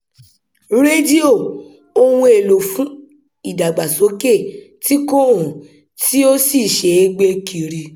Rédíò — ohun èlò fún ìdàgbàsókè tí kò hàn, tí ó sì ṣe é gbé kiri.